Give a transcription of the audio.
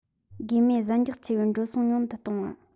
དགོས མེད གཟན རྒྱག ཆེ བའི འགྲོ སོང ཉུང དུ གཏོང བ